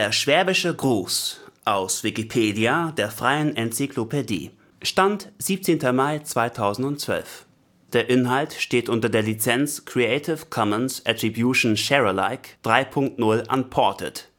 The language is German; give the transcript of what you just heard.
Schwäbischer Gruß, aus Wikipedia, der freien Enzyklopädie. Mit dem Stand vom Der Inhalt steht unter der Lizenz Creative Commons Attribution Share Alike 3 Punkt 0 Unported